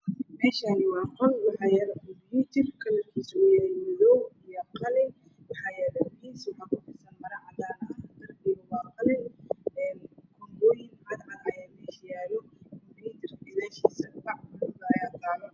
Meeshani waa qol kalarkiisu uu yahy madaw iyo qalin maro cadaan ah